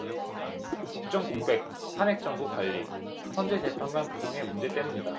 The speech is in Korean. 국정 공백 탄핵 정국 관리 헌재 재판관 구성의 문제 때문이다